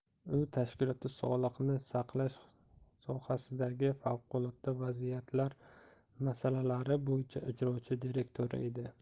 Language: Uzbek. u tashkilotda sog'liqni saqlash sohasidagi favqulodda vaziyatlar masalalari bo'yicha ijrochi direktori edi